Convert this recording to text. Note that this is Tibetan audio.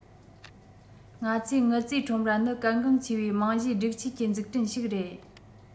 ང ཚོས དངུལ རྩའི ཁྲོམ ར ནི གལ འགངས ཆེ བའི རྨང གཞིའི སྒྲིག ཆས ཀྱི འཛུགས སྐྲུན ཞིག རེད